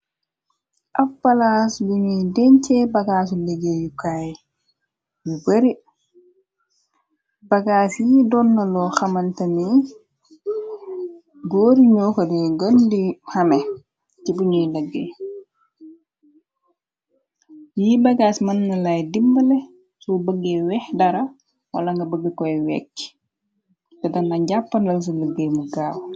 Ab palaas buñuy dencee bagaasu liggéeyukaay, yu bari , bagaas yi don na loo xamaltani góor ñoxore gën di xame, ci buñuy deggee. Yi bagaas mën na lay dimbale su bëgge weex dara wala nga bëgg koy wekki, te dana jàppandal ca liggéey mu gaaw.